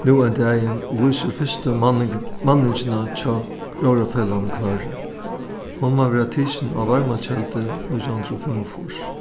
nú ein dagin vísir fyrstu manning manningina hjá róðrarfelagnum knørri hon má vera tikin á varmakeldu nítjan hundrað og fimmogfýrs